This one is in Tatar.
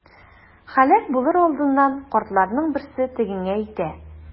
Һәлак булыр алдыннан картларның берсе тегеңә әйтә.